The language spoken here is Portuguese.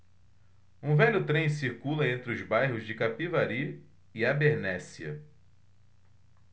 um velho trem circula entre os bairros de capivari e abernéssia